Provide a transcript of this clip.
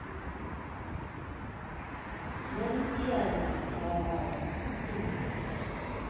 я нечаянно сказала дура